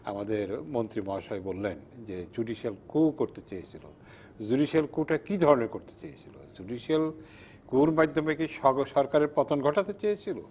আমাদের মন্ত্রী মহাশয় বললেন যে জুডিশিয়াল ক্যু করতে চেয়েছিল জুডিশিয়াল ক্যু টা কি ধরনের করতে চেয়েছিল জুডিশিয়াল ক্যুর মাধ্যমে কি সরকারের পতন ঘটাতে চেয়েছিল